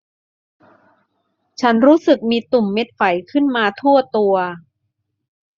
ฉันรู้สึกมีตุ่มเม็ดไฝขึ้นมาทั่วตัว